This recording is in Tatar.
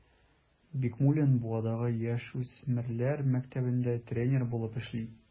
Бикмуллин Буадагы яшүсмерләр мәктәбендә тренер булып эшли.